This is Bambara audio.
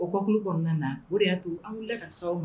O hokumu kɔnɔna na o de y'a to an wilila ka s'aw ma.